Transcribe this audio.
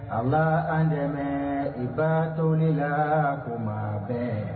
A an dɛmɛ i ba dɔɔnin ne la ko ma bɛɛ